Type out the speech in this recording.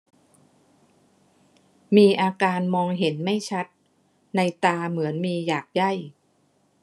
มีอาการมองเห็นไม่ชัดในตาเหมือนมีหยากไย่